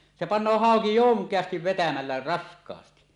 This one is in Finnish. se panee hauki jonkeasti vetämällä raskaasti